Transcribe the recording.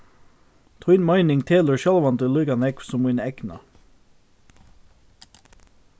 tín meining telur sjálvandi líka nógv sum mín egna